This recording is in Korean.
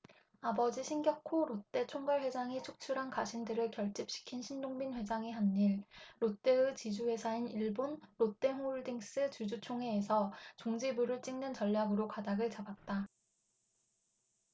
아버지 신격호 롯데 총괄회장이 축출한 가신들을 결집시킨 신동빈 회장이 한 일 롯데의 지주회사인 일본 롯데홀딩스 주주총회에서 종지부를 찍는 전략으로 가닥을 잡았다